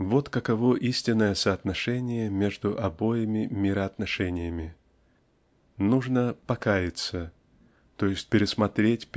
Вот каково истинное соотношение между обоими мироотношениями. Нужно "покаяться", т. е. пересмотреть